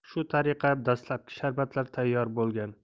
shu tariqa dastlabki sharbatlar paydo bo'lgan